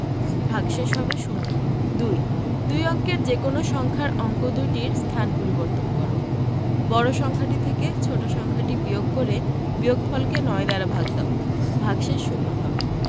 ভাগশেষ হবে শূন্য ২ দুই অঙ্কের যেকোনো সংখ্যার অঙ্ক দুইটির স্থান পরিবর্তন কর বড় সংখ্যাটি থেকে ছোট ছোট সংখ্যাটি বিয়োগ করে বিয়োগফলকে ৯ দ্বারা ভাগ দাও ভাগশেষ শূন্য হবে